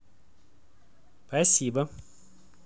пасибо